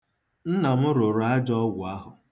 Nna m rụrụ ajọ ọgwụ ahụ.